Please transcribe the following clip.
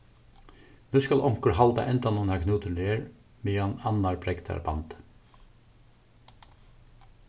nú skal onkur halda endanum har knúturin er meðan annar bregdar bandið